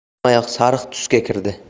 hammayoq sariq tusga kirdi